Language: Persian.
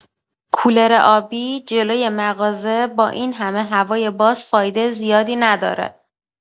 کولر آبی جلوی مغازه با این همه هوای باز فایده زیادی نداره.